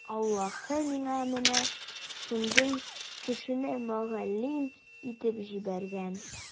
Аллаһы миңа менә шундый кешене мөгаллим итеп җибәргән.